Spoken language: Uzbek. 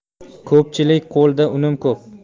ko'pchilik qo'lda unum ko'p